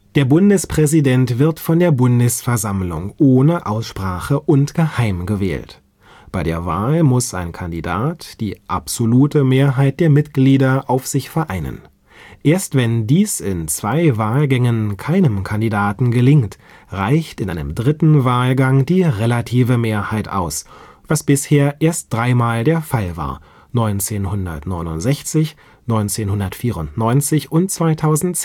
Der Bundespräsident wird von der Bundesversammlung ohne Aussprache und geheim gewählt. Bei der Wahl muss ein Kandidat die (absolute) Mehrheit der Mitglieder auf sich vereinen. Erst wenn dies in zwei Wahlgängen keinem Kandidaten gelingt, reicht in einem dritten Wahlgang die relative Mehrheit aus (was bisher erst dreimal der Fall war, 1969, 1994 und 2010